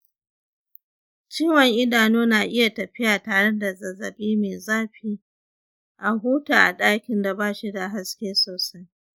ciwon idanu na iya tafiya tare da zazzaɓi mai zafi; a huta a ɗakin da ba shi da haske sosai.